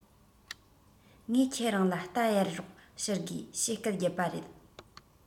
ངས ཁྱེད རང ལ རྟ གཡར རོགས ཞུ དགོས ཞེས སྐད རྒྱབ པ རེད